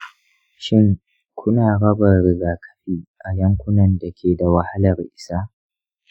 shin kuna rarraba rigakafi a yankunan da ke da wahalar isa?